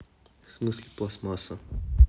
в смысле пластмасса